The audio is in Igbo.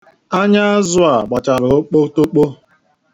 Anya azụ a gbachara okpotokpo.